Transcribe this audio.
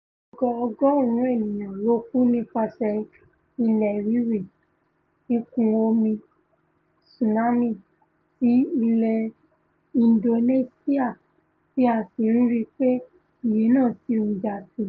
Ọgọ-ọgọ́ọ̀rún ènìyàn ló kú nípaṣẹ̀ ilẹ̀ rírì, ìkún-omi tsunami ti ilẹ Indonesia, tí a sì ń ríi pé iye náà sì ń ga síi